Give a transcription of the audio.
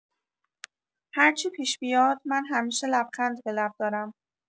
هرچی پیش بیاد، من همیشه لبخند به لب دارم.